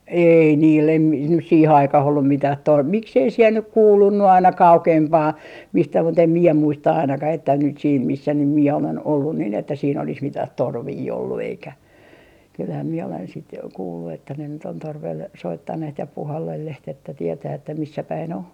ei niillä en - nyt siihen aikaan ollut mitään - miksi ei siellä nyt kuulunut aina kauempaa mistä mutta en minä muista ainakaan että nyt siinä missä nyt minä olen ollut niin että siinä olisi mitään torvia ollut eikä kyllähän minä olen sitten kuullut että ne nyt on torvella soittaneet ja puhallelleet että tietää että missä päin on